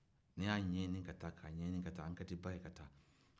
n'i y'a ɲɛɲinin ka taa k'a ɲɛɲinin ka taa enquete ba ye ka taa